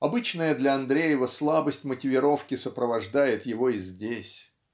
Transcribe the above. Обычная для Андреева слабость мотивировки сопровождает его и здесь.